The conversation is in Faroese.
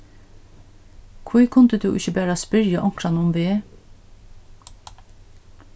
hví kundi tú ikki bara spyrja onkran um veg